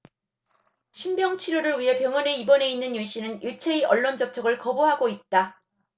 신병 치료를 위해 병원에 입원해 있는 윤씨는 일체의 언론 접촉을 거부하고 있다